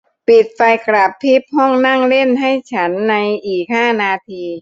ปิดไฟกระพริบห้องนั่งเล่นให้ฉันในอีกห้านาที